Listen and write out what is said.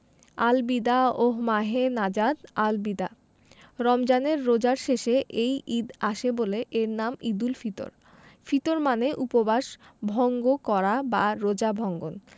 আল বিদা ওহঃ মাহে নাজাত আল বিদা রমজানের রোজার শেষে এই ঈদ আসে বলে এর নাম ঈদুল ফিতর ফিতর মানে উপবাস ভঙ্গ করা বা রোজা ভঙ্গন